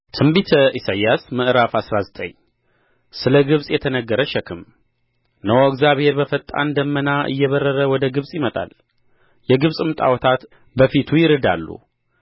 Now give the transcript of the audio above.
ትንቢተ ኢሳይያስ ምዕራፍ አስራ ዘጠኝ ስለ ግብጽ የተነገረ ሸክም እነሆ እግዚአብሔር በፈጣን ደመና እይበረረ ወደ ግብጽ ይመጣል የግብጽም ጣዖታት በፊቱ ይርዳሉ